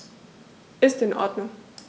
Ist in Ordnung.